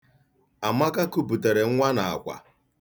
Amaka kupụtara nwa n'akwa.